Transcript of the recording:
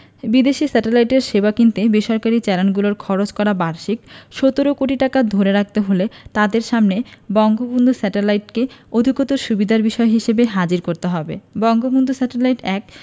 বিদেশি স্যাটেলাইটের সেবা কিনতে বেসরকারি চ্যানেলগুলোর খরচ করা বার্ষিক ১৭ কোটি টাকা ধরে রাখতে হলে তাদের সামনে বঙ্গবন্ধু স্যাটেলাইটকে অধিকতর সুবিধার বিষয় হিসেবে হাজির করতে হবে বঙ্গবন্ধু স্যাটেলাইট ১